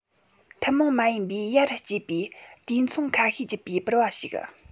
ཐུན མོ མ ཡིན པའི ཡར སྐྱེ བའི དུས མཚམས ཁ ཤས བརྒྱུད པའི སྦུར པ ཞིག